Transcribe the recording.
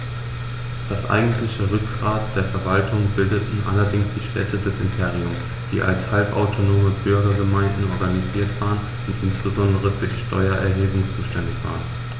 Das eigentliche Rückgrat der Verwaltung bildeten allerdings die Städte des Imperiums, die als halbautonome Bürgergemeinden organisiert waren und insbesondere für die Steuererhebung zuständig waren.